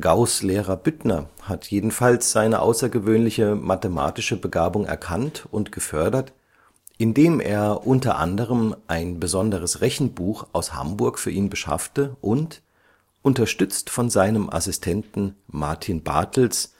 Gauß’ Lehrer Büttner hat jedenfalls seine außergewöhnliche mathematische Begabung erkannt und gefördert, indem er (u. a.) ein besonderes Rechenbuch aus Hamburg für ihn beschaffte und, unterstützt von seinem Assistenten Martin Bartels,